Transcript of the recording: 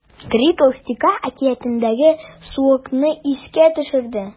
“три толстяка” әкиятендәге суокны искә төшерде.